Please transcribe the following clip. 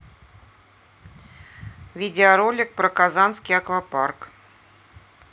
видеоролик про казанский аквапарк